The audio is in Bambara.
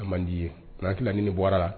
Ka man di ye na hakili la ni bɔra la